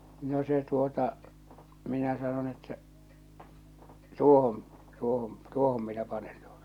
no se tuota minä sanon että tuohon tuohon tuohon minä panen tuota